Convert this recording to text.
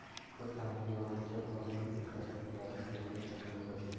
ko'plab taniqli yozuvchilar va buyuk mutafakkirlarning so'zlari shunga o'xshashdir